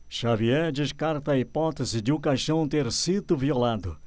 xavier descarta a hipótese de o caixão ter sido violado